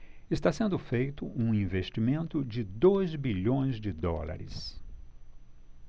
está sendo feito um investimento de dois bilhões de dólares